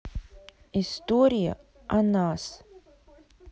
история о нас